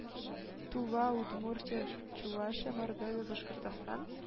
Тува, Удмуртия, Чувашия, Мордовия, Башкортстан